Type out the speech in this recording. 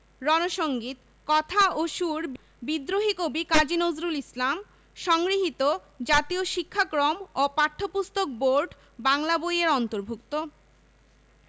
রন সঙ্গীত কথা ও সুর বিদ্রোহী কবি কাজী নজরুল ইসলাম সংগৃহীত জাতীয় শিক্ষাক্রম ও পাঠ্যপুস্তক বোর্ড বাংলা বই এর অন্তর্ভুক্ত